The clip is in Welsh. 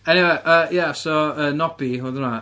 Eniwe, yy, ia so, yy, Nobby oedd hwnna.